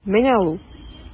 Менә ул.